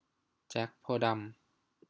แจ็คโพธิ์ดำ